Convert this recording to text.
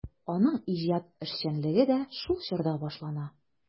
Аның иҗат эшчәнлеге дә шул чорда башлана.